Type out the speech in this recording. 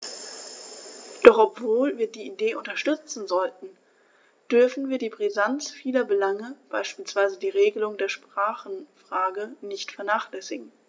Doch obwohl wir die Idee unterstützen sollten, dürfen wir die Brisanz vieler Belange, beispielsweise die Regelung der Sprachenfrage, nicht vernachlässigen.